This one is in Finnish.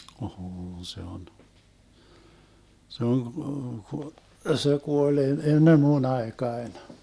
on se on se on -- se kuoli - ennen minun aikaani